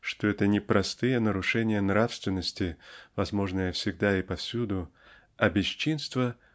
что это-- не простые нарушения нравственности возможные всегда и повсюду а бесчинства